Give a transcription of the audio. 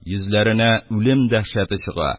Йөзләренә үлем дәһшәте чыга